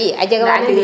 a jega wa na